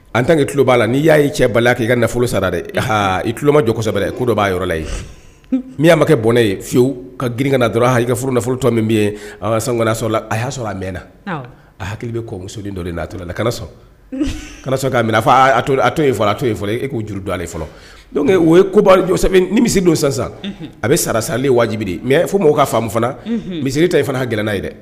An tan ki tulo b'a la'i y'a'a cɛ bali k' i ka nafolo sara dɛ i tulolomajɔ kɔsɛbɛ ko dɔ b'a yɔrɔla yen min y'a makɛ bɔnɛ ye fiyewu ka grin kana dɔrɔn a hakili ka furu nafolotɔ min bɛ ye ka sanla a y'a sɔrɔ a mɛnna a hakili bɛ kɔ musosonin dɔ na a to la sɔn k'a minɛ to a to fɔ a to fɔ e k' juru don ale fɔlɔ o ye ni misi don san a bɛ sara sali wajibidi mɛ fo mɔgɔw ka faamu fana misiri ta i fana ka g gɛlɛnna ye dɛ